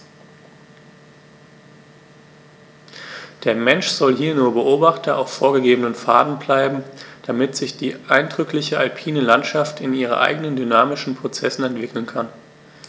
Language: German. Der Mensch soll hier nur Beobachter auf vorgegebenen Pfaden bleiben, damit sich die eindrückliche alpine Landschaft in ihren eigenen dynamischen Prozessen entwickeln kann.